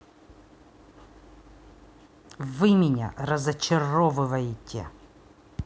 вы меня разочаровываете